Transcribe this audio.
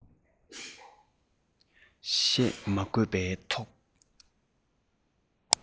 བཤད མ དགོས པའི ཐོག